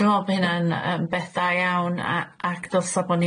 Dwi'n me'wl bo' hynna'n yym beth da iawn a- ac dylsa bo'